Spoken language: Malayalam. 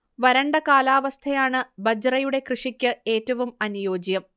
വരണ്ട കാലാവസ്ഥയാണ് ബജ്റയുടെ കൃഷിക്ക് ഏറ്റവും അനുയോജ്യം